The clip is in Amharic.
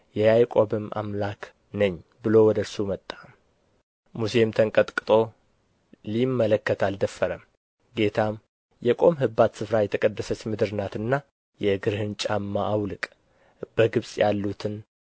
የያዕቆብም አምላክ ነኝ ብሎ ወደ እርሱ መጣ ሙሴም ተንቀጥቅጦ ሊመለከት አልደፈረም ጌታም የቆምህባት ስፍራ የተቀደሰች ምድር ናትና የእግርህን ጫማ አውልቅ በግብፅ ያሉትን